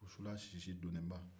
wusulan sisi donne ba